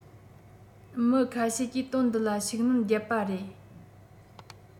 མི ཁ ཤས ཀྱིས དོན འདི ལ ཤུགས སྣོན བརྒྱབ པ རེད